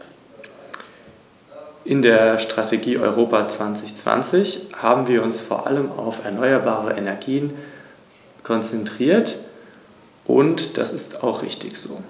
Danken möchte ich sowohl dem Berichterstatter für seinen überaus akribischen und sachkundigen Bericht als auch der Kommission für den von ihr eingebrachten Vorschlag.